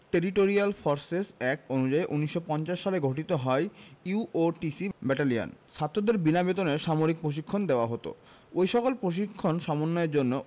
territorial forces act অনুযায়ী ১৯৫০ সালে গঠিত হয় ইউওটিসি ব্যাটালিয়ন ছাত্রদের বিনা বেতনে সামরিক প্রশিক্ষণ দেওয়া হতো ওই সকল প্রশিক্ষণ সমন্বয়ের জন্য